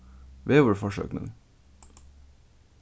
veðurforsøgnin